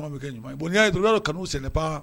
N kanu sɛnɛ